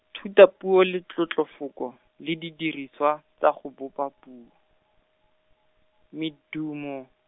thutapuo le tlotlofoko, le didirisiwa, tsa go bopa puo, medumo.